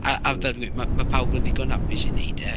A a fel fi'n gweud, ma' ma' pawb yn ddigon hapus i wneud e.